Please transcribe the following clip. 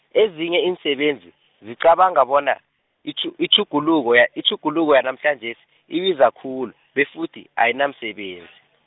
ezinye iinsebenzi, ziqabanga bona, itjhu- itjhuguluko ya- itjhuguluko yanamhlanjesi, ibiza khulu, befuthi ayinamsebenzi.